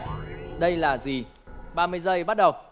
đây là gì ba mươi giây bắt đầu